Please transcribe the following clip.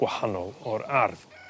gwahanol o'r ardd.